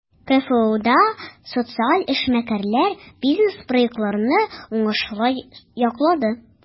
КФУда социаль эшмәкәрләр бизнес-проектларны уңышлы яклады.